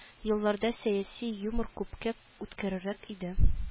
Елларда сәяси юмор күпкә үткерерәк иде